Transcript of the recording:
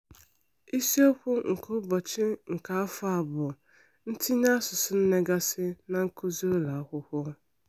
Isiokwu nke Ụbọchị nke afọ a bụ ntinye asụsụ nne gasị na nkuzi ụlọ akwụkwọ.